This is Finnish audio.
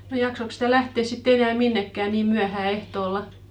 no jaksoikos sitä lähteä sitten enää minnekään niin myöhään ehtoolla